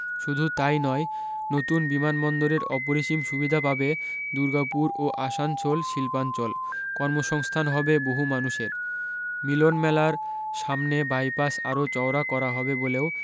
শুধু তাই নয় নতুন বিমানবন্দরের অপরিসীম সুবিধা পাবে দুর্গাপুর ও আসানসোল শিল্পাঞ্চল কর্মসংস্থান হবে বহু মানুষের মিলনমেলার সামনে বাইপাস আরও চওড়া করা হবে বলেও